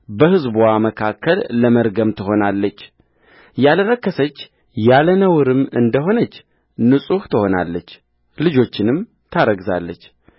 በሕዝብዋ መካከል ለመርገም ትሆናለችያልረከሰች ያለ ነውርም እንደ ሆነች ንጹሕ ትሆናለች ልጆችንም ታረግዛለች